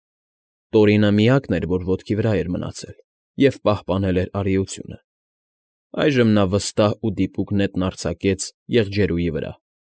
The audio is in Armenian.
Տորինը միակն էր, որ ոտքի վրա էր մնացել և պահպանել էր արիությունը. այժմ նա վստահ ու դիպուկ նետն արձակեց եղջերուի վրա։